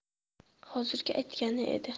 hozirgi aytgani edi